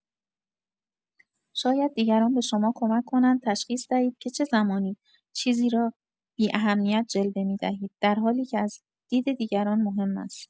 شاید دیگران به شما کمک کنند تشخیص دهید که چه زمانی چیزی را بی‌اهمیت جلوه می‌دهید، درحالی که از دید دیگران مهم است.